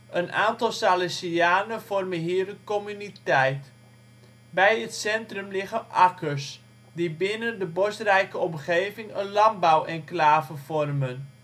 Een aantal Salesianen vormen hier een communiteit. Bij het centrum liggen akkers, die binnen de bosrijke omgeving een landbouwenclave vormen